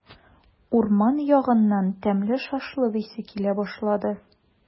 Урман ягыннан тәмле шашлык исе килә башлады.